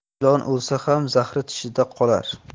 ilon o'lsa ham zahri tishida qolar